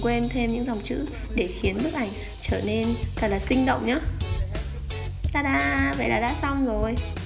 đừng quên thêm những dòng chữ để khiến những bức ảnh trở nên thật là sinh động nhé tadaaam vậy là đã xong rồi